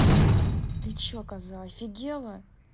ты че коза офигела